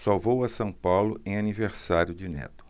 só vou a são paulo em aniversário de neto